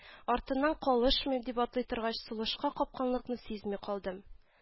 Артыннан калышмыйм, дип атлый торгач, сулышка капканлыкны сизми калдым